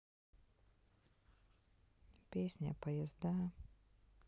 песня поезда